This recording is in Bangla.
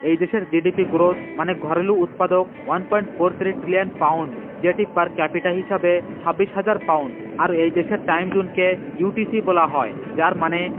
এদেশের জি ডি পি মানে ঘরেলু উৎপাদক ওয়ান পয়েন্ট ৪ট্রিলিয়ন পাউন্ড যে টি পার ক্যাপিটাল হিসেবে ২৬ হাজার পাউন্ড এদেশের টাইম জোন কে ইউটিসি বলা হয় যার মানে